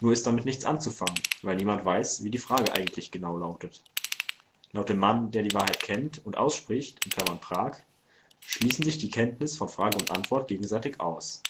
Nur ist damit nichts anzufangen, weil niemand weiß, wie die Frage eigentlich genau lautet. Laut dem Mann, der die Wahrheit kennt und ausspricht (Prak), schließen sich die Kenntnis von Frage und Antwort gegenseitig aus.